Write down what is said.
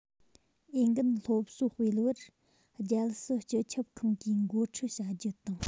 འོས འགན སློབ གསོ སྤེལ བར རྒྱལ སྲིད སྤྱི ཁྱབ ཁང གིས འགོ ཁྲིད བྱ རྒྱུ དང